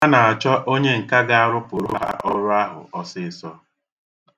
Ha na-achọ onyenka ga-arụpụrụ ha ọrụ ahụ ọsịịsọ.